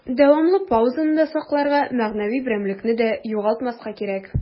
Дәвамлы паузаны да сакларга, мәгънәви берәмлекне дә югалтмаска кирәк.